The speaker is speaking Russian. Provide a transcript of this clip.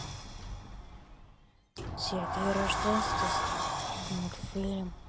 сергий радонежский мультфильм